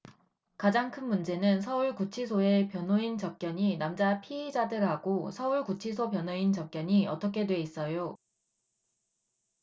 가장 큰 문제는 서울 구치소에 변호인 접견이 남자 피의자들하고 서울 구치소 변호인 접견이 어떻게 돼 있어요